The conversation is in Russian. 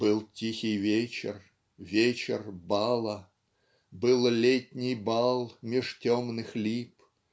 Был тихий вечер, вечер бала, Был летний бал меж темных лип.